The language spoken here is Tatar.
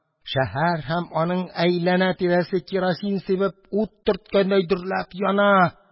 Шәһәр һәм аның әйләнә-тирәсе керосин сибеп ут төрткәндәй дөрләп яна.